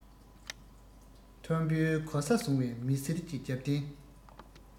མཐོན པོའི གོ ས བཟུང བའི མི སེར གྱི རྒྱབ རྟེན